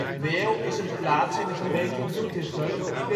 Wehl is een plaats in de gemeente Doetinchem in